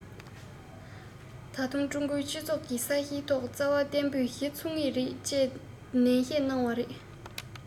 ད དུང ཀྲུང གོའི སྤྱི ཚོགས ཀྱི ས གཞིའི ཐོག རྩ བ བརྟན པོ ཞིག ཚུགས ངེས རེད ཅེས ནན བཤད གནང བ རེད